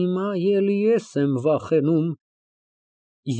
Հիմա եդ էլ եմ վախենում։